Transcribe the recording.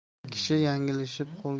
kishi yanglishib qo'lga